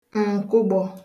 ǹkụgbọ̄